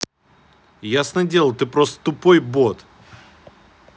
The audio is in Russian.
ясно дело ты просто тупой бот